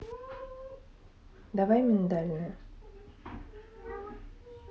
давай миндальное